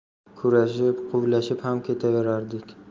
kurashib quvlashib ham ketaverardik